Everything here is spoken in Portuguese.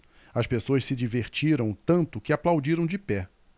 as pessoas se divertiram tanto que aplaudiram de pé